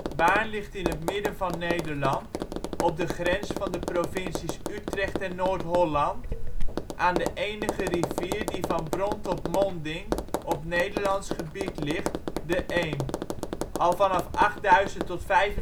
Baarn ligt in het midden van Nederland op de grens van de provincies Utrecht en Noord-Holland, aan de enige rivier die van bron tot monding op Nederlands gebied ligt, de Eem. Al vanaf 8000 tot 4500 v.Chr.